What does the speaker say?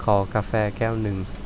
ขอกาแฟแก้วหนึ่ง